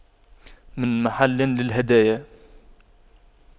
من محل للهدايا